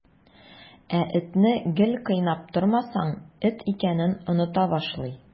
Ә этне гел кыйнап тормасаң, эт икәнен оныта башлый.